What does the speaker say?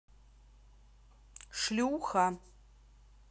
шлюха